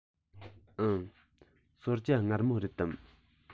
འུན གསོལ ཇ མངར མོ རེད དམ